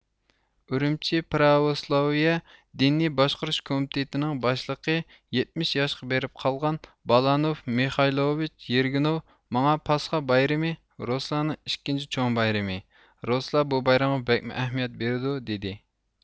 ئۈرۈمچى پراۋوسلاۋىيە دىنى باشقۇرۇش كومىتېتىنىڭ باشلىقى يەتمىش ياشقا بېرىپ قالغان بالانوف مىخايلوۋىچ يېرگىنىۋ ماڭا پاسخا بايرىمى روسلارنىڭ ئىككىنچى چوڭ بايرىمى روسلار بۇ بايرامغا بەكمۇ ئەھمىيەت بېرىدۇ دىدى